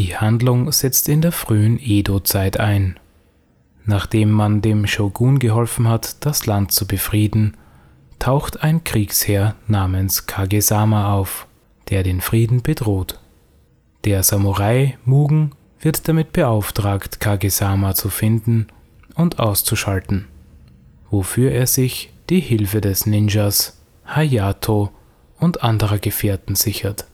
Handlung setzt in der frühen Edo-Zeit ein. Nachdem man dem Shōgun geholfen hat, das Land zu befrieden, taucht ein Kriegsherr namens Kage-sama auf, der den Frieden bedroht. Der Samurai Mugen wird damit beauftragt, Kage-sama zu finden und auszuschalten, wofür er sich die Hilfe des Ninjas Hayato und anderer Gefährten sichert